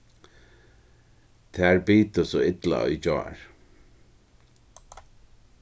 tær bitu so illa í gjár